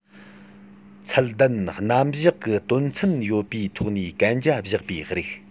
ཚད ལྡན རྣམ གཞག གི དོན ཚན ཡོད པའི ཐོག ནས གན རྒྱ བཞག པའི རིགས